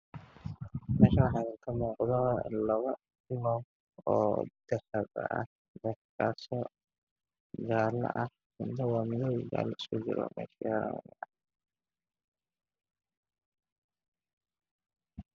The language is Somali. Meeshaan waa miis cadaan waxaa saaran labo dhiga dhago oo midadkoodu yahay dahabi